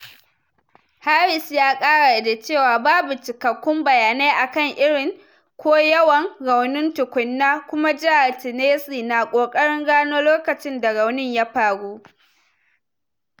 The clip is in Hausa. Harris ya kara da cewa "babu cikakkun bayanai akan irin/yawan raunin tukunna " kuma Jihar Tennessee na ƙokarin gano lokacin da rauni ya faru.